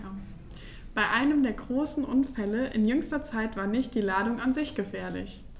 Bei einem der großen Unfälle in jüngster Zeit war nicht die Ladung an sich gefährlich.